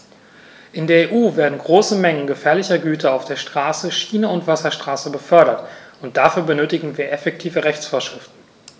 In der EU werden große Mengen gefährlicher Güter auf der Straße, Schiene und Wasserstraße befördert, und dafür benötigen wir effektive Rechtsvorschriften.